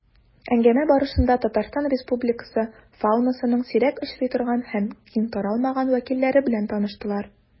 Әңгәмә барышында Татарстан Республикасы фаунасының сирәк очрый торган һәм киң таралмаган вәкилләре белән таныштылар.